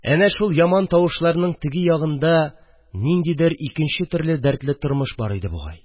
Әнә шул яман тавышларның теге ягында ниндидер икенче төрле, дәртле тормыш бар иде бугай